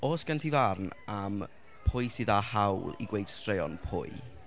Oes gen ti farn am pwy sydd â hawl i gweud straeon pwy?